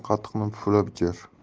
qatiqni puflab ichar